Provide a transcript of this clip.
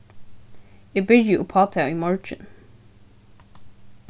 eg byrji upp á tað í morgin